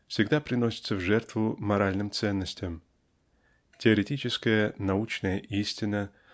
всегда приносятся в жертву моральным ценностям. Теоретическая научная истина